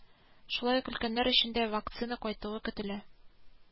Шулай ук өлкәннәр өчендә вакцина кайтуы көтелә